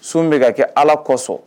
Sun bɛ ka kɛ ala kosɔn